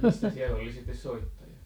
mistä siellä oli sitten soittajat